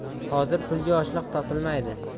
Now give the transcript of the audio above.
hozir pulga oshliq topilmaydi